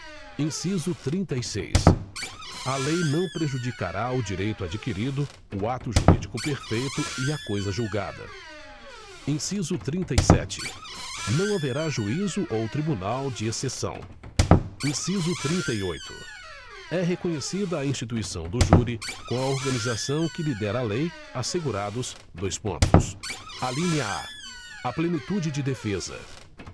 inciso trinta e seis a lei não prejudicará o direito adquirido o ato jurídico perfeito e a coisa julgada inciso trinta e sete não haverá juízo ou tribunal de exceção inciso trinta e oito é reconhecida a instituição do júri com a organização que lhe der a lei assegurados dois pontos alínea a a plenitude de defesa